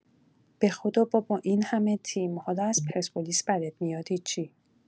بخدا بابا اینهمه تیم حالا از پرسپولیس بدت میاد هیچی